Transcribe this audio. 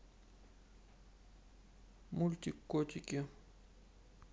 мультик котики